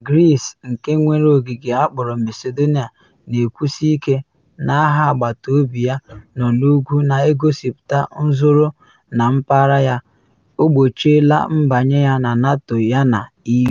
Greece, nke nwere ogige akpọrọ Macedonia, na ekwusi ike na aha agbataobi ya nọ n’ugwu na egosipụta nzọrọ na mpaghara ya, o gbochiela mbanye ya na NATO yana EU.